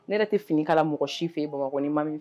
Ne yɛrɛ tɛ fini kala mɔgɔ si fɛ Bamakɔ ni n ma min